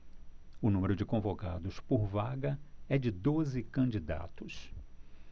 o número de convocados por vaga é de doze candidatos